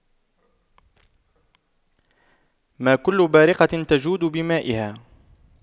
ما كل بارقة تجود بمائها